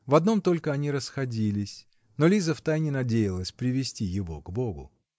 В одном только они расходились; но Лиза втайне надеялась привести его к богу.